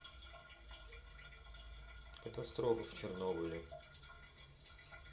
катастрофа в чернобыле